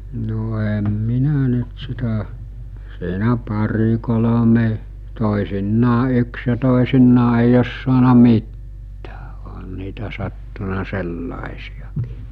no en minä nyt sitä siinä pari kolme toisinaan yksi ja toisinaan ei ole saanut mitään ihan niitä sattunut sellaisiakin